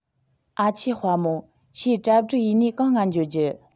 ཨ ཆེ དཔའ མོ ཁྱོས གྲ སྒྲིག ཡས ནས གང ང འགྱོ རྒྱུ